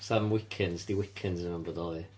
'Snam wiccans. 'Di wiccans ddim yn bodoli.